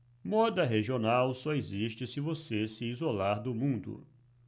moda regional só existe se você se isolar do mundo